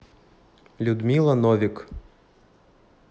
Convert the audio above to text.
людмила новик